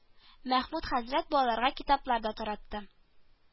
Мәхмүт хәзрәт балаларга китаплар да таратты